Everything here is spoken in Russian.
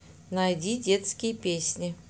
найди детские песни